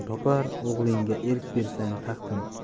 topar o'g'lingga erk bersang taxtini